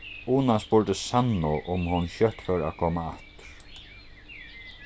una spurdi sannu um hon skjótt fór at koma aftur